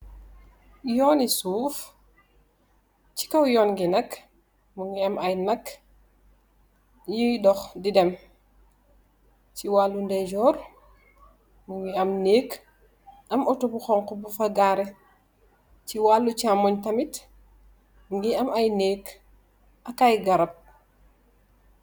Yoon i suuf, si kow yoon bi nak, mu ngi am ay mak yuy dox di dem. Si waalu ndeyjoor, mu ngi am nëëk, am otto bu xoñxu bu fa gaaré. Ci waalu chamooy tamit, mu am ay nëëk ak ay garab